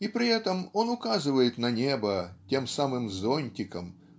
и при этом он указывает на небо тем самым зонтиком